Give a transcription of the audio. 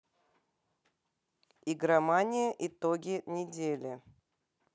игромания итоги недели